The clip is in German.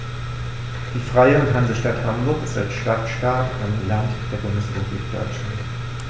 Die Freie und Hansestadt Hamburg ist als Stadtstaat ein Land der Bundesrepublik Deutschland.